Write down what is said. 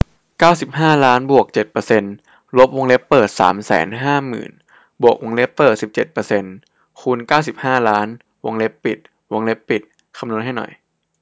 เก้าสิบห้าล้านบวกเจ็ดเปอร์เซนต์ลบวงเล็บเปิดสามแสนห้าหมื่นบวกวงเล็บเปิดสิบเจ็ดเปอร์เซนต์คูณเก้าสิบห้าล้านวงเล็บปิดวงเล็บปิดคำนวณให้หน่อย